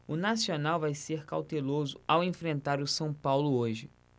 o nacional vai ser cauteloso ao enfrentar o são paulo hoje